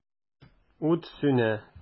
Ут сүнә.